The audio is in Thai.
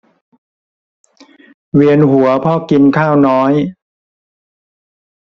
เวียนหัวเพราะกินข้าวน้อย